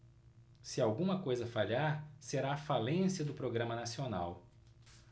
se alguma coisa falhar será a falência do programa nacional